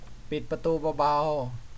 ปิดประตูเบาๆ